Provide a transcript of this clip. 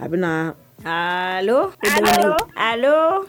A bɛna allo allo